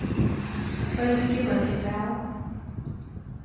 hvørjum skrivar tú bræv